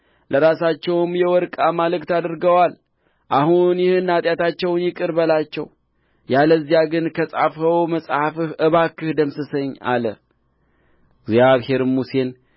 ለራሳቸውም የወርቅ አማልክት አድርገዋል አሁን ይህን ኃጢአታቸውን ይቅር በላቸው ያለዚያ ግን ከጻፍኸው መጽሐፍህ እባክህ ደምስሰኝ አለ እግዚአብሔርም ሙሴን